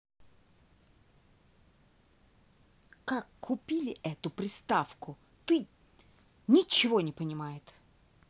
как купили эту приставку ты ничего не понимает